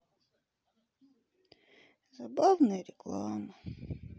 забавная реклама